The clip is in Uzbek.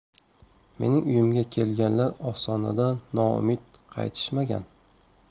mening uyimga kelganlar ostonadan noumid qaytishmagan